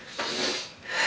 thì